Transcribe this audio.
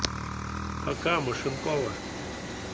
пока машинкова